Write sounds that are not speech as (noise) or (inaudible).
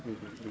(hesitation) (hesitation)